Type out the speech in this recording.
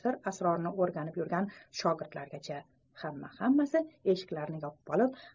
sir asrorini o'rganib yurgan shogirdlargacha hamma hammasi eshiklarni yopib olib